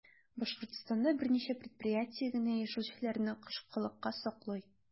Башкортстанда берничә предприятие генә яшелчәләрне кышкылыкка саклый.